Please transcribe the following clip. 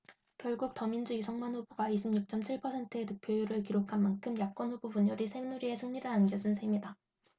결국 더민주 이성만 후보가 이십 육 쩜 칠 퍼센트의 득표율을 기록한 만큼 야권 후보 분열이 새누리에 승리를 안겨준 셈이다